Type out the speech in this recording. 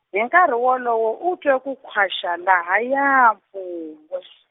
hi nkarhi wolowo u twe ku khwaxa halahaya mpfungwe.